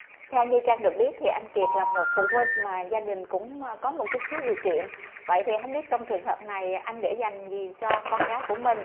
theo như trang được biết thì anh kiệt là một phụ huynh mà gia đình cũng có một chút xíu điều kiện vậy thì không biết trong trường hợp này anh để dành gì cho con gái của mình